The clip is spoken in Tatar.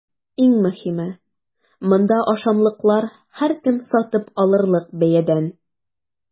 Иң мөһиме – монда ашамлыклар һәркем сатып алырлык бәядән!